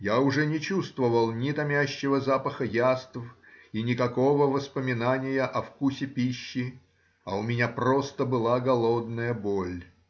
я уже не чувствовал ни томящего запаха яств и никакого воспоминания о вкусе пищи, а у меня просто была голодная боль